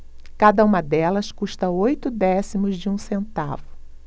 cada uma delas custa oito décimos de um centavo